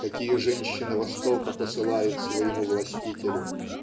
какие женщина востока посылает своему властителю